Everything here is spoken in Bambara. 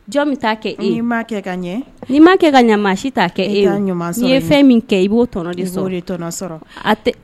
Jɔn kɛ ma kɛ kasi kɛ ye fɛn min kɛ i b'o